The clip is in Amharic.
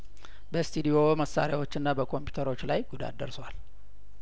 በስቱዲዮ መሳሪያዎችና ኮምፒውተሮች ላይ ጉዳት ደርሷል